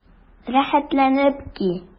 Рәхәтләнеп ки!